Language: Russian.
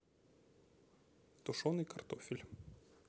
тушеный картофель